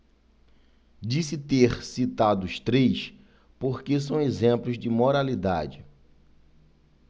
disse ter citado os três porque são exemplos de moralidade